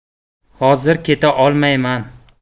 hozir keta olmayman